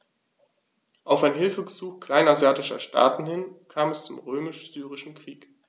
Auf ein Hilfegesuch kleinasiatischer Staaten hin kam es zum Römisch-Syrischen Krieg.